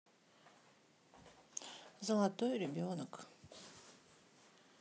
золотой ребенок